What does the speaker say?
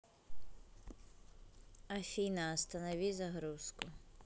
афина останови загрузку